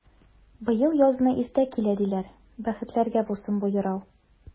Быел язны иртә килә, диләр, бәхетләргә булсын бу юрау!